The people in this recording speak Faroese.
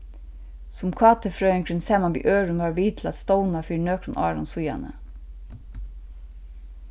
sum kt-frøðingurin saman við øðrum var við til at stovna fyri nøkrum árum síðani